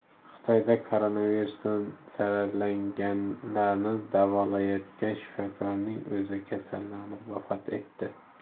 xitoyda koronavirusdan zararlanganlarni davolayotgan shifokorning o'zi kasallanib vafot etdi